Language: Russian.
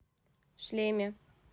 в шлеме